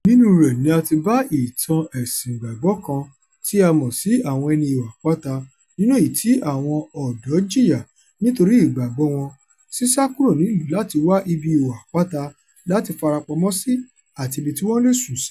Nínúu rẹ̀ ni a ti bá ìtàn Ẹ̀sìn ìgbàgbọ́ kan tí a mọ̀ sí "Àwọn ẹni Ihò-àpáta", nínú èyí tí àwọn ọ̀dọ́ jìyà nítorí ìgbàgbọ́ọ wọ́n, sísà kúrò nílùú láti wá ibí ihò-àpáta láti farapamọ́ sí àti ibi tí wọ́n lè sùn sí.